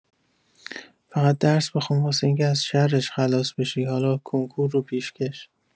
فقط درس بخون واسه اینکه از شرش خلاص بشی، حالا کنکور رو پیشکش.